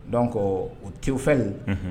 Donc o ;Unhun.